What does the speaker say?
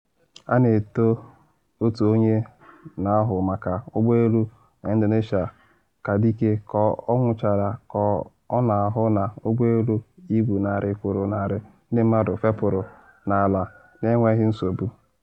A na eto otu onye na ahụ maka ụgbọ elu na Indonesia ka dike ka ọ nwụchara ka ọ na ahụ na ụgbọ elu ibu narị kwụrụ narị ndị mmadụ fepụrụ n’ala na enweghị nsogbu.